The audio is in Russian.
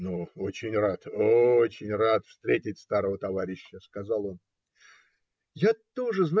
- Ну, очень рад, очень рад встретить старого товарища, - сказал он. - Я тоже.